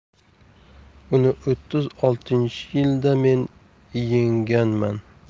uni o'ttiz oltinchi yilda men yengganman